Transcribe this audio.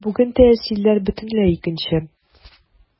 Бүген тәэсирләр бөтенләй икенче.